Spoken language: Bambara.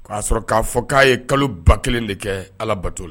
O y'a sɔrɔ k'a fɔ k'a ye kalo ba kelen de kɛ ala bato la